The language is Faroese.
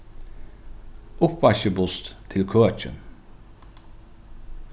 uppvaskibust til køkin